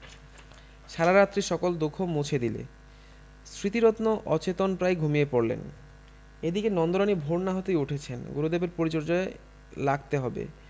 সারারাত্রির সকল দুঃখ মুছে দিলে স্মৃতিরত্ন অচেতনপ্রায় ঘুমিয়ে পড়লেন এদিকে নন্দরানী ভোর না হতেই উঠেছেন গুরুদেবের পরিচর্যায় লাগতে হবে